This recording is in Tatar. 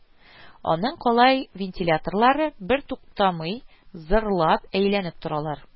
Аның калай вентиляторлары бертуктамый зыр-лап әйләнеп торалар